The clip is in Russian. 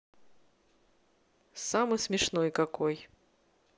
самый смешной какой